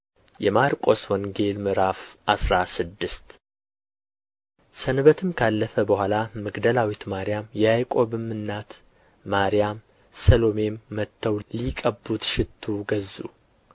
የማርቆስ ወንጌል ምዕራፍ አስራ ስድስት ሰንበትም ካለፈ በኋላ መግደላዊት ማርያም የያዕቆብም እናት ማርያም ሰሎሜም መጥተው ሊቀቡት ሽቱ ገዙ